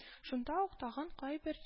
Шунда ук тагын кайбер